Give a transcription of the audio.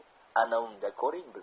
ana unda ko'ring bizni